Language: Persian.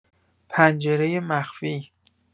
پنجره مخفی